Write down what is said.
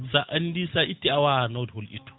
sa andi sa itti a wawa nawde hoto ittu